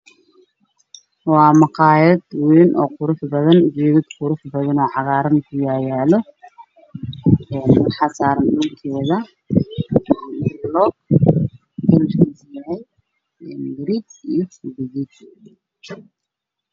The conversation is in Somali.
waa maqaayad weyn oo qurux badan u jeedinta qurux badanaa cagaaran siyaalo een maxaa saaran ninkeeda